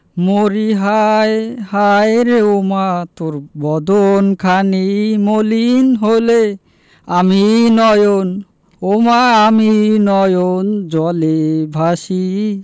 মরিহায় হায়রে ও মা তোর বদন খানি মলিন হলে আমি নয়ন ওমা আমি নয়ন জলে ভাসি